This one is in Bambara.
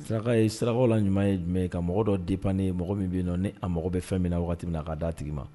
Saraka ye sira la ɲuman ye jumɛn ye ka mɔgɔ dɔ dep ni mɔgɔ min bɛ ni a mago bɛ fɛn min na waati min na k'a da tigi ma